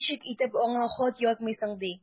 Ничек итеп аңа хат язмыйсың ди!